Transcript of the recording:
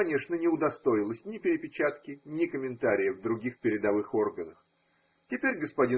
конечно, не удостоилось ни перепечатки, ни комментария в других передовых органах. Теперь г.